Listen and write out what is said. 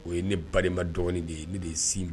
O ye ne ba dɔgɔnin de ye ne de ye sin